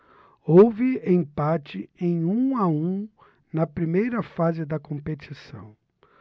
houve empate em um a um na primeira fase da competição